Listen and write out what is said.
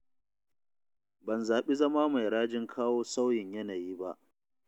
Ban zaɓi zama mai rajin kawo sauyin yanayi ba.